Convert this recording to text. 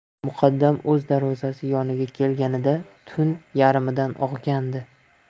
muqaddam o'z darvozasi yoniga kelganida tun yarmidan og'gandi